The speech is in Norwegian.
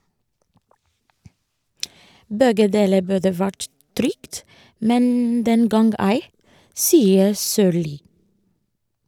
Begge deler burde vært trygt, men den gang ei, sier Sørli.